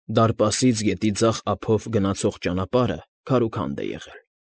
Դարպասից գետի ձախ ափով գնացող ճանապարհը քարուքանդ է եղել։